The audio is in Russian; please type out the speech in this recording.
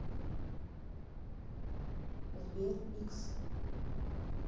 сбер х